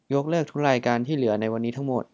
ยกเลิกทุกรายการที่เหลือในวันนี้ทั้งหมด